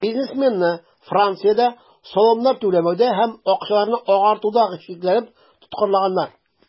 Бизнесменны Франциядә салымнар түләмәүдә һәм акчаларны "агартуда" шикләнеп тоткарлаганнар.